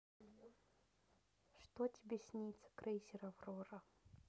что тебе снится крейсер аврора